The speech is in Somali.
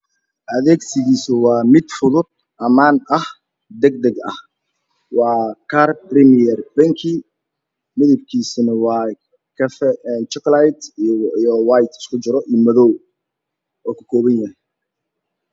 Adeeg sogiisu waa mid fudod aman ah dagdagha waa kaar lanyard bangi midabkiisuna waa juklat iyo wat ayauu kakoobanyhy